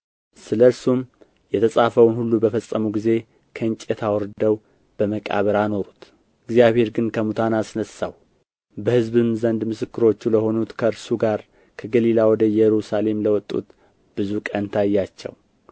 ስለ እርሱም የተጻፈውን ሁሉ በፈጸሙ ጊዜ ከእንጨት አውርደው በመቃብር አኖሩት እግዚአብሔር ግን ከሙታን አስነሣው በሕዝብም ዘንድ ምስክሮቹ ለሆኑት ከእርሱ ጋር ከገሊላ ወደ ኢየሩሳሌም ለወጡት ብዙ ቀን ታያቸው